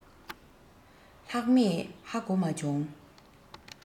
ལྷག མེད ཧ གོ མ བྱུང